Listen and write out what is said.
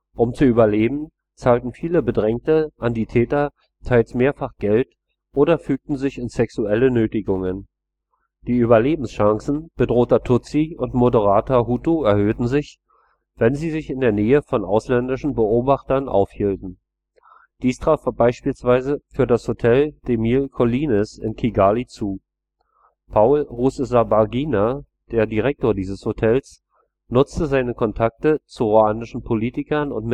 Um zu überleben, zahlten viele Bedrängte an die Täter teils mehrfach Geld oder fügten sich in sexuelle Nötigungen. Die Überlebenschancen bedrohter Tutsi und moderater Hutu erhöhten sich, wenn sie sich in der Nähe von ausländischen Beobachtern aufhielten. Dies traf beispielsweise für das Hôtel des Mille Collines in Kigali zu. Paul Rusesabagina, der Direktor dieses Hotels, nutzte seine Kontakte zu ruandischen Politikern und